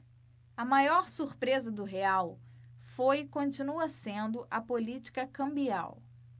a maior surpresa do real foi e continua sendo a política cambial